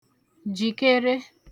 jìkere